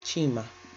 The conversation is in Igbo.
Chima